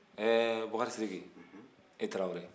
ɛɛ bakari sidiki i tarawele